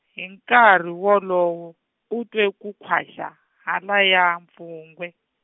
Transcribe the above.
hi nkarhi wolowo u twe ku khwaxa halahaya mpfungwe.